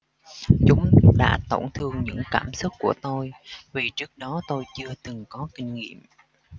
chúng đã tổn thương những cảm xúc của tôi vì trước đó tôi chưa từng có kinh nghiệm